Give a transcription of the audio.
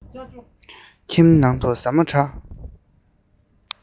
ཁྱིམ ནང དུ ཟ མ འདྲ